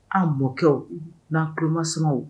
An mɔkɛw n'a tulomasw